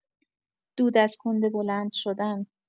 دود از کنده بلند شدن